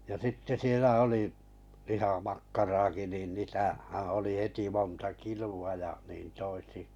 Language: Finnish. ja sitten siellä oli lihamakkaraakin niin - niitähän oli heti monta kiloa ja niin toisin